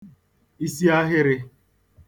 isiahịrị̄